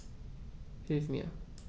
Hilf mir!